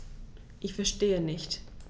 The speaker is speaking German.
Ich verstehe nicht.